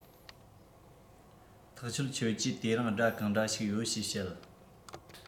ཐག ཆོད ཁྱོད ཀྱིས དེ རིང སྒྲ གང འདྲ ཞིག ཡོད ཞེས བཤད